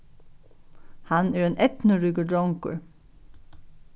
hann er ein eydnuríkur drongur